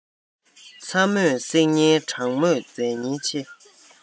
ཚ མོས བསྲེག ཉེན གྲང མོས རྫས ཉེན ཆེ